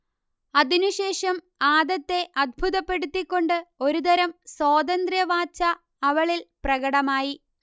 അതിനു ശേഷം ആദത്തെ അത്ഭുതപ്പെടുത്തിക്കൊണ്ട് ഒരു തരം സ്വാതന്ത്രവാച്ഛ അവളിൽ പ്രകടമായി